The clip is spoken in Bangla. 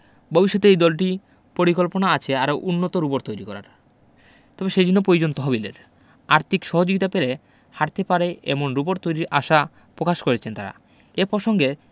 ভবিষ্যতে এই দলটির পরিকল্পনা আছে আরও উন্নত রোবট তৈরি করার তবে সেজন্য প্রয়োজন তহবিলের আর্থিক সহযোগিতা পেলে হাটতে পারে এমন রোবট তৈরির আশা প্রকাশ করেছেন তারা এ প্রসঙ্গে